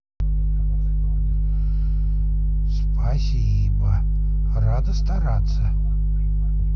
спасибо рада стараться